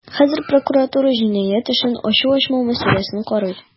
Хәзер прокуратура җинаять эшен ачу-ачмау мәсьәләсен карый.